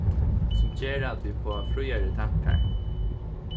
sum gera at vit fáa fríari tankar